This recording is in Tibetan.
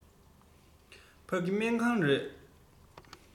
ཕ གི སྨན ཁང རེད